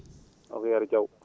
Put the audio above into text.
oo ko Yero Diaw